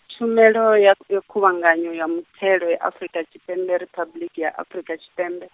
tshumelo ya ya Khuvhanganyo ya Muthelo Afurika Tshipembe Riphabuḽiki ya Afrika Tshipembe.